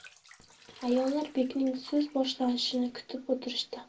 a'yonlar bekning so'z boshlashini kutib o'tirishdi